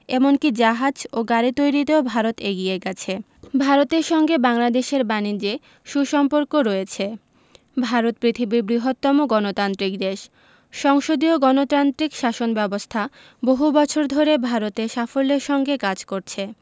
এমন কি জাহাজ ও গাড়ি তৈরিতেও ভারত এগিয়ে গেছে ভারতের সঙ্গে বাংলাদেশের বানিজ্যে সু সম্পর্ক রয়েছে ভারত পৃথিবীর বৃহত্তম গণতান্ত্রিক দেশ সংসদীয় গণতান্ত্রিক শাসন ব্যাবস্থা বহু বছর ধরে ভারতে সাফল্যের সঙ্গে কাজ করছে